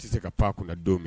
A tɛ se ka pan kun don minɛ